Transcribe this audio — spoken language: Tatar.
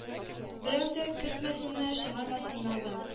Берәү дә кертмәсеннәр чыгармасыннар да